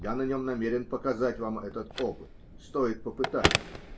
Я на нем намерен показать вам этот опыт. Стоит попытать.